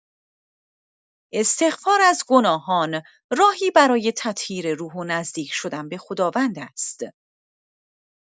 استغفار از گناهان، راهی برای تطهیر روح و نزدیک‌شدن به خداوند است.